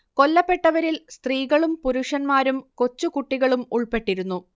കൊല്ലപ്പെട്ടവരിൽ സ്ത്രീകളും പുരുഷന്മാരും കൊച്ചു കുട്ടികളും ഉൾപ്പെട്ടിരുന്നു